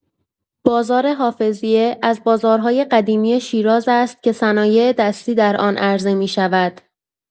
بازار حافظیه از بازارهای قدیمی شیراز است که صنایع‌دستی در آن عرضه می‌شود.